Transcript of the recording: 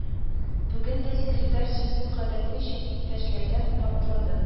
Бүген дә секретарь сүзен гадәтенчә «Иптәшләрдән бантлады: